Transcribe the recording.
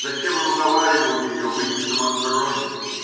Зачем он уговаривал ее выйти за Мандрони?